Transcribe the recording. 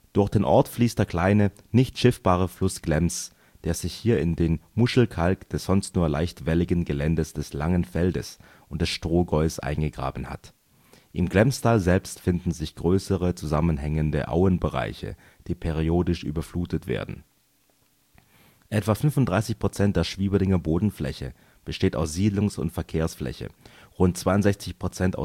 Durch den Ort fließt der kleine, nicht schiffbare Fluss Glems, der sich hier in den Muschelkalk des sonst nur leicht welligen Geländes des Langen Feldes und des Strohgäus eingegraben hat. Im Glemstal selbst finden sich größere zusammenhängende Auenbereiche, die periodisch überflutet werden. Etwa 35 % der Schwieberdinger Bodenfläche besteht aus Siedlungs - und Verkehrsfläche, rund 62 %